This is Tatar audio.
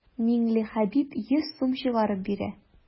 Миңлехәбиб йөз сум чыгарып бирә.